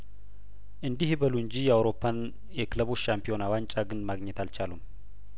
እንዲህ ይበሉ እንጂ የአውሮፓን የክለቦች ሻምፒዮና ዋንጫ ግን ማግኘት አልቻሉም